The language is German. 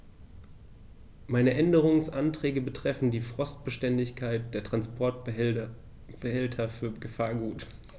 Meine Änderungsanträge betreffen die Frostbeständigkeit der Transportbehälter für Gefahrgut.